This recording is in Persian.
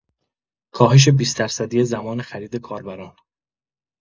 کاهش ۲۰ درصدی زمان خرید کاربران